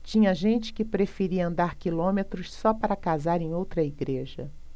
tinha gente que preferia andar quilômetros só para casar em outra igreja